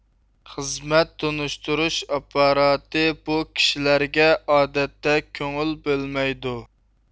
خىزمەت تونۇشتۇرۇش ئاپپاراتى بۇ كىشىلەرگە ئادەتتە كۆڭۈل بۆلمەيدۇ